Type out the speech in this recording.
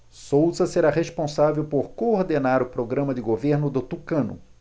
souza será responsável por coordenar o programa de governo do tucano